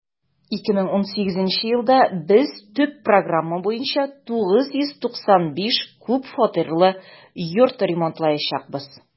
2018 елда без төп программа буенча 995 күп фатирлы йорт ремонтлаячакбыз.